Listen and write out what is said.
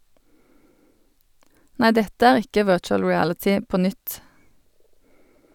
Nei, dette er ikke virtual reality på nytt.